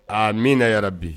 Aa min na yɛrɛ bi